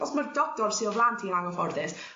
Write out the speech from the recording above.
os ma'r doctor sy o flan ti yn angyfforddus